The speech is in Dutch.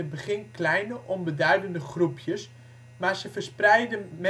begin, kleine, onbeduidende groepjes, maar ze verspreidden